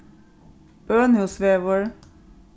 bønhúsvegur